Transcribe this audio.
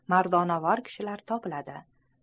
mardonavor kishilar topiladi